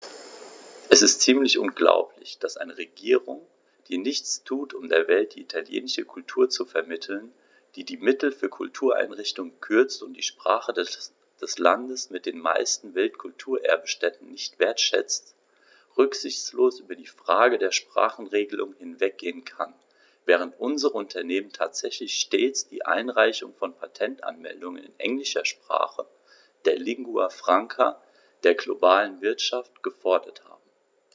Es ist ziemlich unglaublich, dass eine Regierung, die nichts tut, um der Welt die italienische Kultur zu vermitteln, die die Mittel für Kultureinrichtungen kürzt und die Sprache des Landes mit den meisten Weltkulturerbe-Stätten nicht wertschätzt, rücksichtslos über die Frage der Sprachenregelung hinweggehen kann, während unsere Unternehmen tatsächlich stets die Einreichung von Patentanmeldungen in englischer Sprache, der Lingua Franca der globalen Wirtschaft, gefordert haben.